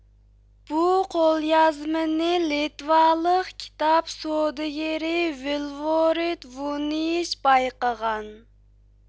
بۇ قوليازمىنى لىتۋالىق كىتاب سودىگىرى ۋىلۋورىد ۋۇنىيچ بايقىغان